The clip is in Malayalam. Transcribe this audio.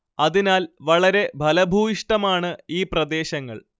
അതിനാൽ വളരെ ഫലഭൂയിഷ്ടമാണ് ഈ പ്രദേശങ്ങൾ